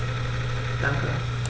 Danke.